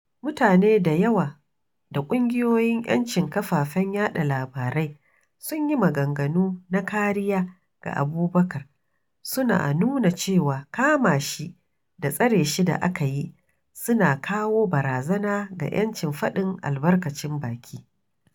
Mutane da yawa da ƙungiyoyin 'yancin kafafen yaɗa labarai sun yi maganganu na kariya ga Abubacar, suna nuna cewa kama shi da tsare shi da aka yi suna kawo barazana ga 'yancin faɗin albarkacin baki.